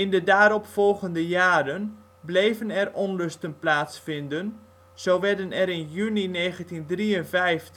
de daarop volgende jaren bleven er onlusten plaatsvinden, zo werden er in juni 1953 43